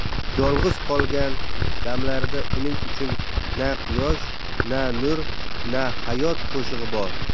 yolg'iz qolgan damlarida uning uchun na quyosh na nur na hayot qo'shig'i bor